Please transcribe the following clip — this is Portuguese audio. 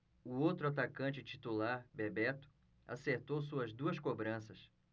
o outro atacante titular bebeto acertou suas duas cobranças